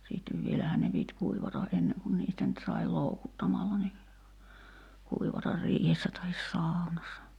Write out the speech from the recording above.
sitten vielähän ne piti kuivata ennen kuin niistä nyt sai loukuttamalla niin kuivata riihessä tai saunassa